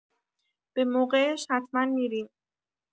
به موقعش حتما می‌ریم.